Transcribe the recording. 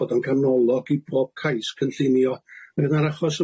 bod yn ganolog i bob cais cynllunio ac yn yr achos